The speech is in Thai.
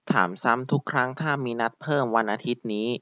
ถามซ้ำทุกครั้งถ้ามีนัดเพิ่มวันอาทิตย์นี้